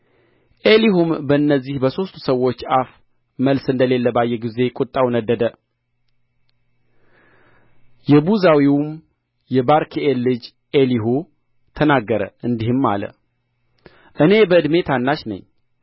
ኤሊሁም በነዚህ በሦስቱ ሰዎች አፍ መልስ እንደሌለ ባየ ጊዜ ቍጣው ነደደ የቡዛዊውም የባርክኤል ልጅ ኤሊሁ ተናገረ እንዲህም አለ እኔ በዕድሜ ታናሽ ነኝ